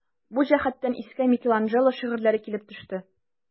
Бу җәһәттән искә Микеланджело шигырьләре килеп төште.